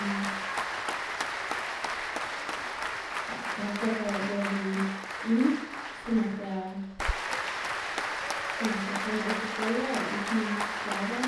Ja, jeg håper jeg klarer å gå de inn sånn at sånn at jeg kjem meg opp på fjellet og uten skader.